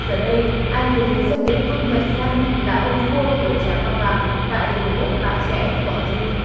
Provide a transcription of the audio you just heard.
giờ đây anh được người dân địa phương mệnh danh là ông vua của trà hoa vàng tại vùng đất bà chẽ quảng ninh